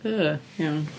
Yy, iawn.